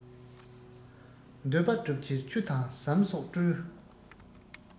འདོད པ སྒྲུབ ཕྱིར ཆུ དང ཟམ སོགས སྤྲུལ